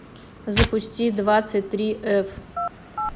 запусти двадцать три эф